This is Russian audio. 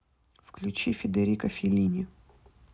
включи федерико феллини